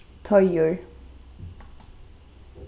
teigur